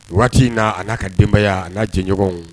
Waati in na a n'a ka denbayaya a'a jɛɲɔgɔn